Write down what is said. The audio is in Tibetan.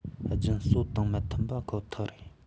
རྒྱུན སྲོལ དང མི མཐུན ཁོ ཐག ཡིན